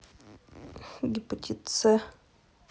гепатит ц